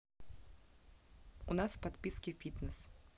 у нас в подписке фитнес